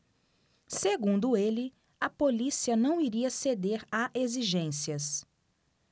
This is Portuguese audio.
segundo ele a polícia não iria ceder a exigências